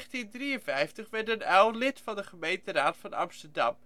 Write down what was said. In 1953 werd Den Uyl lid van de gemeenteraad van Amsterdam